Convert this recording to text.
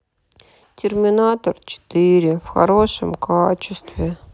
терминатор четыре в хорошем качестве